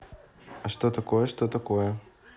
а что такое что такое